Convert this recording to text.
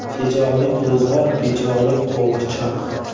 tejog'lik ro'zg'or bejog'lik qo'g'irchoq